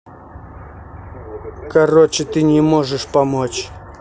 короче ты не можешь помочь